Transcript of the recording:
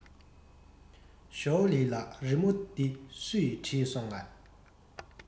ཞོའོ ལིའི ལགས རི མོ འདི སུས བྲིས སོང ངས